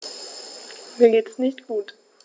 Mir geht es nicht gut.